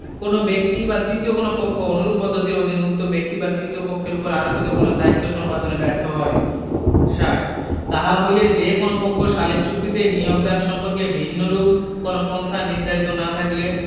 কোন ব্যীক্ত বা তৃতীয় কোন পক্ষ অনুরূপ পদ্ধতির অধীন উক্ত ব্যক্তি বা তৃতীয় পক্ষের উপর আরোপিত কোন দায়িত্ব সম্পাদনে ব্যর্থ হয় ৬০ তাহা হইলে যে কোন পক্ষ সালিস চুক্তিতে নিয়োগদান সম্পর্কে ভিন্নরূপ কোন পন্থা নির্ধারিত না থাকিলে